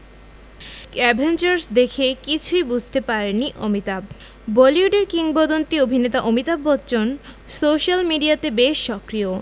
Avengers দেখে কিছুই বুঝতে পারেননি অমিতাভ বলিউডের কিংবদন্তী অভিনেতা অমিতাভ বচ্চন সোশ্যাল মিডিয়াতে বেশ সক্রিয়